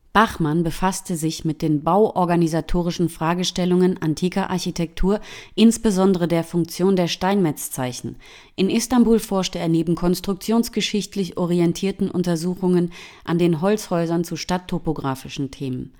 Bachmann befasste sich mit den bauorganisatorischen Fragestellungen antiker Architektur, insbesondere der Funktion der Steinmetzzeichen; in Istanbul forschte er neben konstruktionsgeschichtlich orientierten Untersuchungen an den Holzhäusern zu stadttopographischen Themen